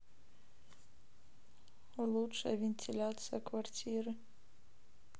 лучшая вентиляция квартиры